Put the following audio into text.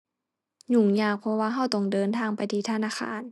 ยุ่งยาก เพราะว่าเราต้องเดินทางไปที่ธนาคาร